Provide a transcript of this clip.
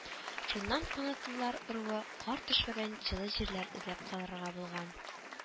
Шуннан канатлылар ыруы кар төшмәгән җылы җирләр эзләп карарга булган